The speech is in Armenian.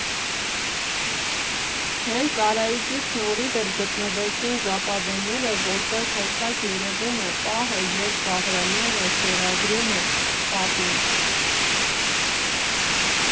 Հենց Արայիկի շնորհիվ էլ գտնվեցին ժապավենները, որտեղ հստակ երևում է պահը, երբ Բաղրամյանը ստորագրում է պատին։